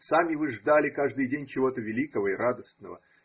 Сами вы ждали каждый день чего-то великого и радостного.